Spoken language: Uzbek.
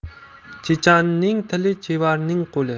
chechanning tili chevarning qo'li